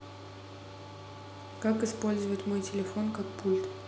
как использовать мой телефон как пульт